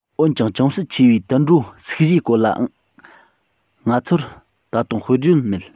འོན ཀྱང ཅུང ཟད ཆེ བའི དུད འགྲོ སུག བཞིའི སྐོར ལ ང ཚོར ད དུང དཔེར བརྗོད མེད